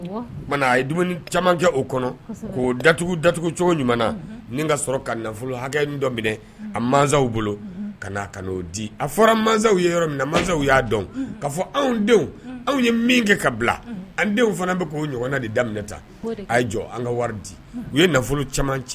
Ye k'o datugu dat cogo ka sɔrɔ ka nafolo hakɛ a masaw bolo ka''o di a fɔra masaw ye yɔrɔ min masaw y'a dɔn k ka fɔ anw denw anw ye min kɛ ka bila an denw fana bɛ k' ɲɔgɔn na de daminɛ ta a ye jɔ an ka wari di u ye nafolo caman cɛ